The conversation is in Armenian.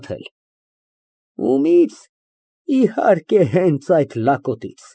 Մարգարիտ։ ՄԱՐԳԱՐԻՏ ֊ Հայրիկի ցանկությամբ ես Օթարյանից պահանջեցի նրա դոկումենտները։